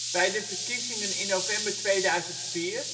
Bij de verkiezingen in november 2004